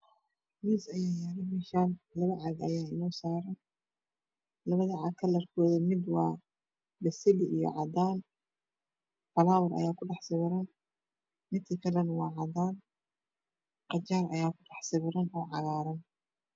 Miis aya yalo meshan labo cag aya ii nosaran labada cag kalar koda mid wa bisili iyo cadan talala aya kudhax sawiran midka kalana wa cadana qajaar aya kudhax sawiran oo cagaaran